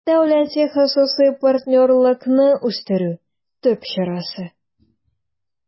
«дәүләти-хосусый партнерлыкны үстерү» төп чарасы